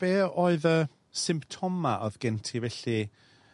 Be' oedd y symptoma odd gen ti felly?